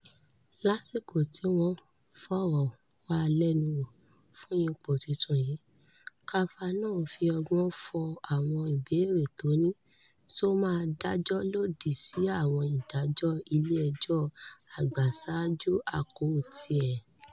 Lásìkò tí wọ́n ń fọ̀rọ̀walẹ́nuwò fún ipò tuntun yìí, Kavanaugh fi ọgbọ́n fo àwọn ìbéèrè tó ní ṣo máa dájọ́ lòdì sí àwọn ìdájọ́ Ilé-ẹjọ́ Àgbà sáájú àḱkò tiẹ̀.